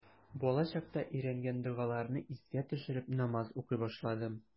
Балачакта өйрәнгән догаларны искә төшереп, намаз укый башладым.